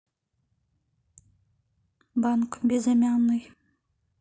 банк безымянный